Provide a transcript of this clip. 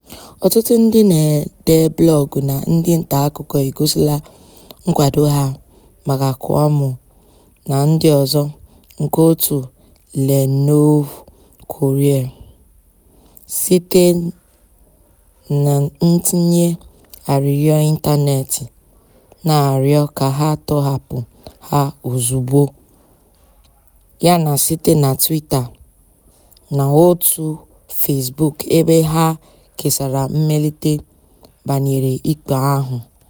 Ọtụtụ ndị na-ede blọọgụ na ndị ntaakụkọ egosila nkwado ha maka Kouamouo na ndị ọzọ nke òtù Le Nouveau Courrier site na ntinye arịrịọ ịntaneetị na-arịọ ka ha tọhapụ ha ozugbo, yana site na Twitter na òtù Facebook ebe ha kesara mmelite banyere ikpe ahụ.